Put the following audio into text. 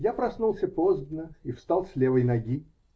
Я проснулся поздно и встал с левой ноги.